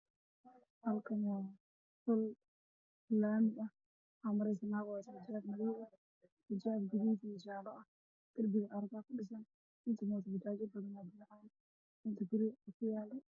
Halkaan waa meel laami ah waxa mareyso gabar